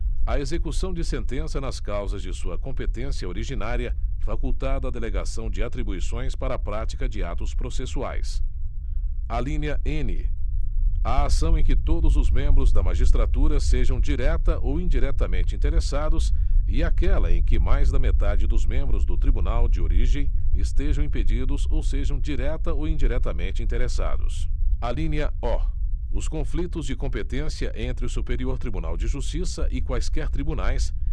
a execução de sentença nas causas de sua competência originária facultada a delegação de atribuições para a prática de atos processuais alínea n a ação em que todos os membros da magistratura sejam direta ou indiretamente interessados e aquela em que mais da metade dos membros do tribunal de origem estejam impedidos ou sejam direta ou indiretamente interessados alínea o os conflitos de competência entre o superior tribunal de justiça e quaisquer tribunais